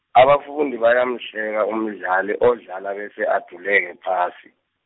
abafundi bayamhleka umdlali, odlala bese, aduleke phasi.